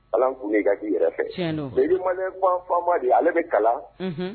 Ala kun gaki yɛrɛ bi ma fama de ale bɛ kalan